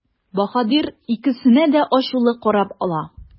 Баһадир икесенә дә ачулы карап ала.